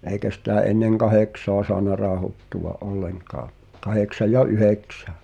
eikä sitä ennen kahdeksaa saanut rauhoittua ollenkaan kahdeksan ja yhdeksän